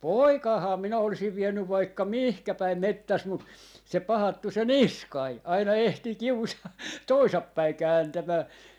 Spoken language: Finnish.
poikaahan minä olisin vienyt vaikka mihin päin metsässä mutta se pahattu se Niskanen aina ehtii kiusaa - toisinpäin kääntämään